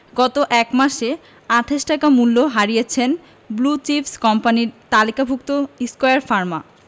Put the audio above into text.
গত এক মাসে ২৮ টাকা মূল্য হারিয়েছে ব্লু চিপস কোম্পানির তালিকাভুক্ত স্কয়ার ফার্মা